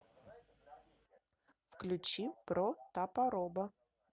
включи про тапороба